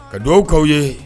Ka dugawu k'aw ye